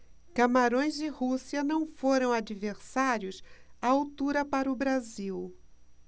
camarões e rússia não foram adversários à altura para o brasil